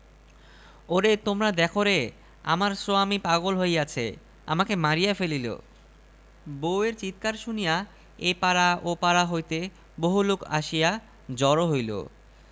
সকাল হইলে রহিম ক্ষেতে আসিয়া লাঙল জুড়িল সে এদিক হইতে লাঙলের ফাড়ি দিয়া ওদিকে যায় ওদিক হইতে এদিকে আসে হঠাৎ তাহার লাঙলের তলা হইতে একটি শােলমাছ লাফাইয়া উঠিল